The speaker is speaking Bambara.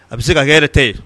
A bɛ se ka kɛ tɛ ye